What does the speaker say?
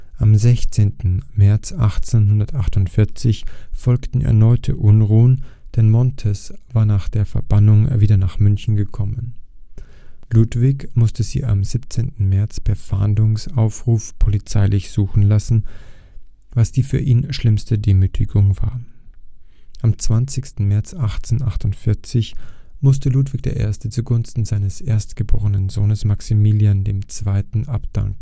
Am 16. März 1848 folgten erneute Unruhen, denn Montez war nach der Verbannung wieder nach München gekommen. Ludwig musste sie am 17. März per Fahndungsaufruf polizeilich suchen lassen, was die für ihn schlimmste Demütigung war. Am 20. März 1848 dankte Ludwig I. zugunsten seines erstgeborenen Sohnes Maximilian II. freiwillig ab. Da